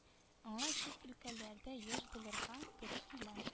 Аңа чит өлкәләрдә еш булырга туры килә